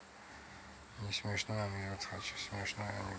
не смешной анекдот хочу смешной анекдот